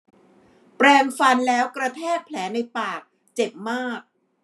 แปรงฟันแล้วกระแทกแผลในปากเจ็บมาก